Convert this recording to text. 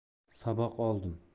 saboq oldim